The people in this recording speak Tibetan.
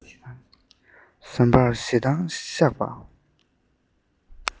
ཟམ པར ཞེ འདང བཞག པ